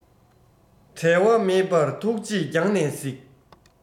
འབྲལ བ མེད པར ཐུགས རྗེས རྒྱང ནས གཟིགས